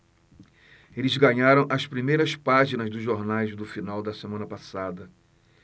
eles ganharam as primeiras páginas dos jornais do final da semana passada